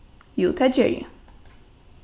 jú tað geri eg